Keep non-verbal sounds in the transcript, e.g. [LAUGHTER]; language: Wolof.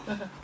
[HESITATION] [HESITATION]